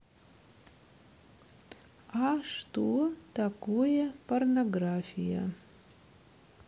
а что такое порнография